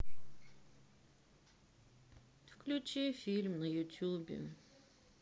включи фильм на ютубе